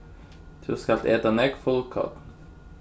tú skalt eta nógv fullkorn